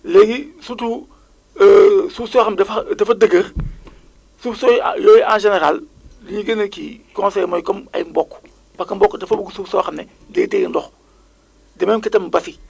léegi surtot suuf soo xam ne dafa dafa dëgër suuf sooy yooyu en général li ñu gën a kii conseillé mooy comme ay mboq parce que mboq dafa bugg suuf soo xam ne day téye ndox de même que tam basi